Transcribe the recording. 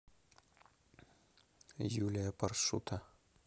юлия паршута